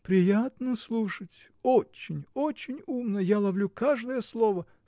— Приятно слушать: очень, очень умно — я ловлю каждое слово!